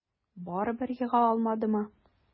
Барыбер ега алмадымы?